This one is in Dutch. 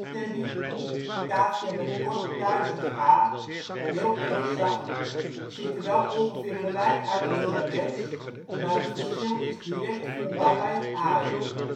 US-teddy: cavia met kort, pluizig haar. Heel erg zacht, ziet er wel ongeveer gelijk uit als de rex, maar het verschil is direct voelbaar bij het aaien